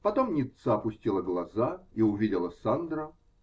Потом Ницца опустила глаза и увидела Сандро.